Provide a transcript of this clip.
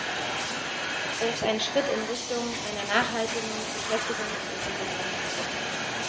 Er ist ein Schritt in Richtung einer nachhaltigen Beschäftigungs- und Entwicklungspolitik.